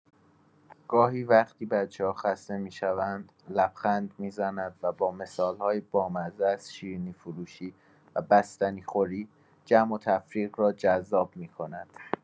گاهی وقتی بچه‌ها خسته می‌شوند، لبخند می‌زند و با مثال‌های بامزه از شیرینی‌فروشی و بستنی‌خوری، جمع و تفریق را جذاب می‌کند.